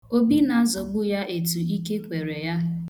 Obi na-azọgbu ya etu ike kwere ya.